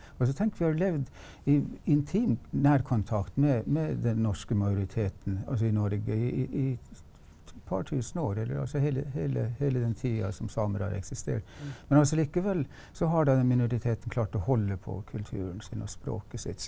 altså tenk vi har levd i i intim nærkontakt med med den norske majoriteten altså i Norge i i i et par 1000 år eller altså hele hele hele den tida som samer har eksistert, men altså likevel så har da den minoriteten klart å holde på kulturen sin og språket sitt.